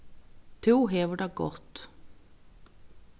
tú hevur tað gott